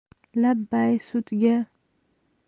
labbay so'tga